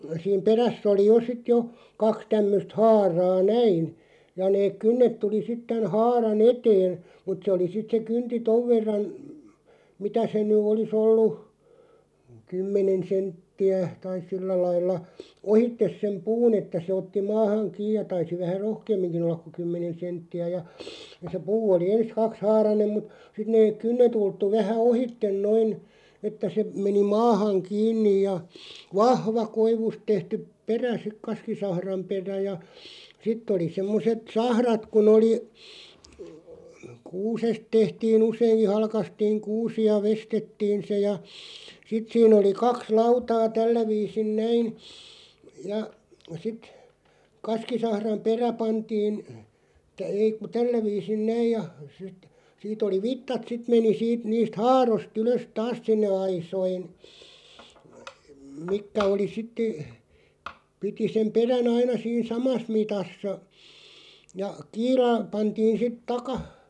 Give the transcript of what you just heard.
siinä perässä oli jo sitten jo kaksi tämmöistä haaraa näin ja ne kynnet tuli sitten tämän haaran eteen mutta se oli sitten se kynti tuon verran mitä se nyt olisi ollut kymmenen senttiä tai sillä lailla ohitse sen puun että se otti maahan kiinni ja taisi vähän rohkeamminkin olla kuin kymmenen senttiä ja ja se puu oli ensin kaksihaarainen mutta sitten ne kynnet ulottui vähän ohitse noin että se meni maahan kiinni ja vahva koivusta tehty perä sitten kaskisahran perä ja sitten oli semmoiset sahrat kun oli kuusesta tehtiin useinkin halkaistiin kuusi ja veistettiin se ja sitten siinä oli kaksi lautaa tällä viisin näin ja sitten kaskisahran perä pantiin ei kun tällä viisin näin ja sitten siitä oli vitsat sitten meni siitä niistä haaroista ylös taas sinne aisoihin mitkä oli sitten piti sen perän aina siinä samassa mitassa ja kiila pantiin sitten -